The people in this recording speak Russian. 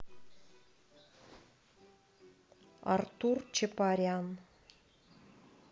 артур чапарян